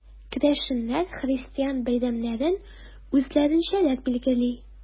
Керәшеннәр христиан бәйрәмнәрен үзләренчәрәк билгели.